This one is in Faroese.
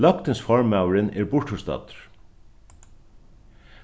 løgtingsformaðurin er burturstaddur